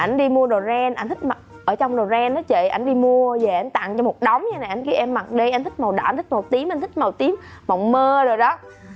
ảnh đi mua đồ ren ảnh thích mặc ở trong đồ ren ý chị ảnh đi mua về ảnh tặng cho một đống vậy nè ảnh kêu em mặc đi anh thích màu đỏ anh thích một tím anh thích màu tím mộng mơ rồi đó